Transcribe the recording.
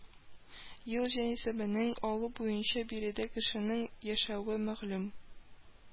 Ел җанисәбен алу буенча биредә кешенең яшәве мәгълүм